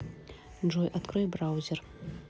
джой открой браузер